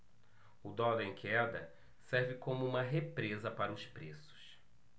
o dólar em queda serve como uma represa para os preços